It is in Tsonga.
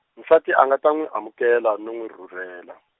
nsati a nga ta n'wi amukela no n'wi rhurhela.